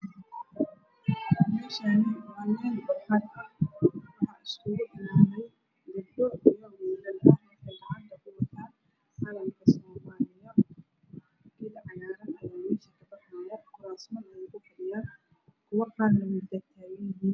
Meshan waa mel barxad ah waxa iskuku imad gabdho io wll waxey gacanta kiwatan calanka soomalia geed cgaran aya mesha kadaxayo kursaman ayey kufadhiyan kuwa qarna wey tagan yahin